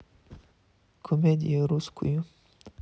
комедию русскую